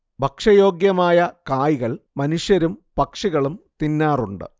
ഭക്ഷ്യയോഗ്യമായ കായ്കൾ മനുഷ്യരും പക്ഷികളും തിന്നാറുണ്ട്